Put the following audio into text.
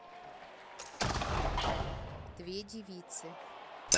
две девицы